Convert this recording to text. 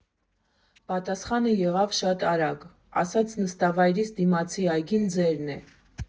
Պատասխանը եղավ շատ արագ, ասաց՝ նստավայրիս դիմացի այգին ձերն է։